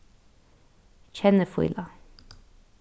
kennifíla